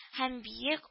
Һәм биек